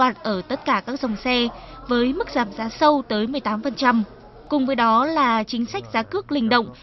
loạt ở tất cả các dòng xe với mức giảm giá sâu tới mười tám phần trăm cùng với đó là chính sách giá cước linh động